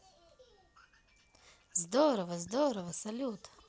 здорово здорово салют